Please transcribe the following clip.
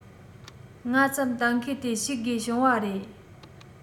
སྔ ཙམ གཏན འཁེལ དེ བཤིག དགོས བྱུང བ རེད